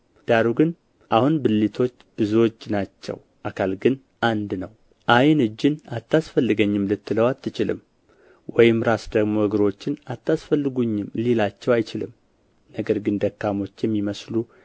ዳሩ ግን አሁን ብልቶች ብዙዎች ናቸው አካል ግን አንድ ነው ዓይን እጅን አታስፈልገኝም ልትለው አትችልም ወይም ራስ ደግሞ እግሮችን አታስፈልጉኝም ሊላቸው አይችልም ነገር ግን ደካሞች የሚመስሉ